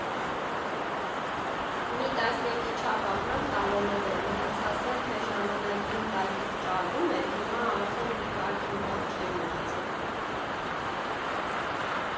Մի տասնյակի չափ ապրանք «տալոնով» էր, մնացածն էլ թե ժամանակին «տակից» ճարվում էր, հիմա արդեն մի կարգին բան չէր մնացել։